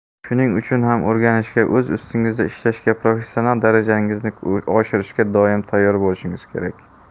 shuning uchun ham o'rganishga o'z ustingizda ishlashga professional darajangizni oshirishga doim tayyor bo'lishingiz kerak